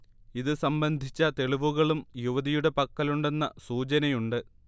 ഇത് സംബന്ധിച്ച തെളിവുകളും യുവതിയുടെ പക്കലുണ്ടെന്ന സൂചനയുണ്ട്